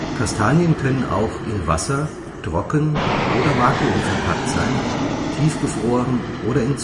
Kastanien können auch in Wasser, trocken oder vakuumverpackt sein, tiefgefroren oder in